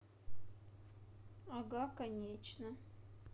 ага конечно